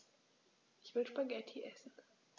Ich will Spaghetti essen.